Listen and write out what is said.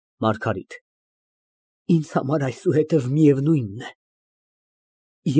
ՄԱՐԳԱՐԻՏ ֊ Ինձ համար այսուհետև միևնույն է։